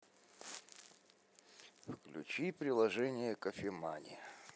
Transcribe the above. включи приложение кофемания